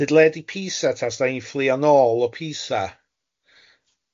Sud le di Pisa ta os da ni'n fflio nôl o Pisa?